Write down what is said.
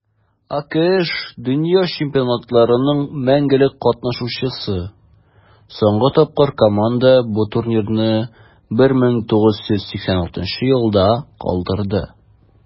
АКШ - дөнья чемпионатларының мәңгелек катнашучысы; соңгы тапкыр команда бу турнирны 1986 елда калдырды.